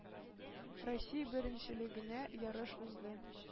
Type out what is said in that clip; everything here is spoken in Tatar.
Россия беренчелегенә ярыш узды.